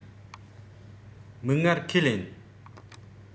མིག སྔར ཁས ལེན